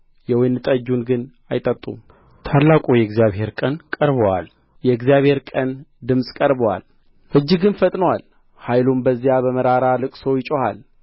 የወይን ጠጁን ግን አይጠጡም ታላቁ የእግዚአብሔር ቀን ቀርቦአል የእግዚአብሔር ቀን ድምፅ ቀርቦአል እጅግም ፈጥኖአል ኃያሉም በዚያ በመራራ ልቅሶ ይጮኻል